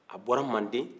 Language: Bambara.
a bɔra manden